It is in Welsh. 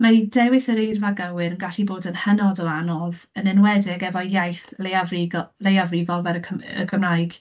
Mae dewis yr eirfa gywir yn gallu bod yn hynod o anodd, yn enwedig efo iaith leiafrigo- leiafrifol fel y cym- yy Cymraeg.